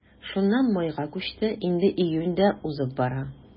Шуннан майга күчте, инде июнь дә узып бара.